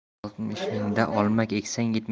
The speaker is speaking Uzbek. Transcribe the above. oltmishingda olma eksang